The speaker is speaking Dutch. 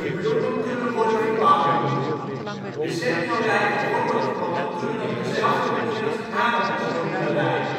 bloemen kunnen worden gebakken. De zetmeelrijke wortelknollen kunnen op dezelfde manier als aardappels worden bereid